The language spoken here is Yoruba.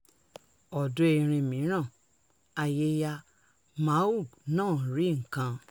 Ọ̀dọ́ erin mìíràn, Ayeyar Maung náà rí nǹkan.